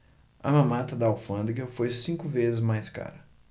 a mamata da alfândega foi cinco vezes mais cara